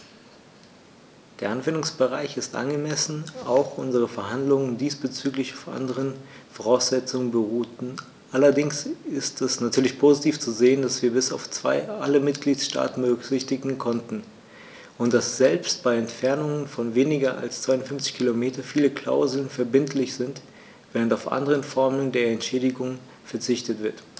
Der Anwendungsbereich ist angemessen, auch wenn unsere Verhandlungen diesbezüglich auf anderen Voraussetzungen beruhten, allerdings ist es natürlich positiv zu sehen, dass wir bis auf zwei alle Mitgliedstaaten berücksichtigen konnten, und dass selbst bei Entfernungen von weniger als 250 km viele Klauseln verbindlich sind, während auf andere Formen der Entschädigung verzichtet wird.